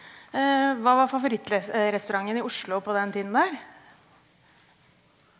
hva var favorittrestauranten i Oslo på den tiden der?